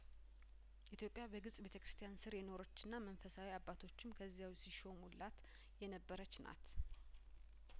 ኢትዮጵያ በግብጽ ቤተክርስቲያን ስር የኖረችና መንፈሳዊ አባቶችም ከዚያው ሲሾሙላት የነበረች ናት